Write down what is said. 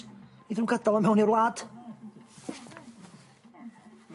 Neith nw'n gadal o mewn i'r wlad.